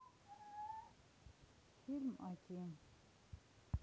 фильм аким